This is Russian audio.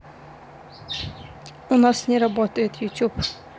у нас не работает youtube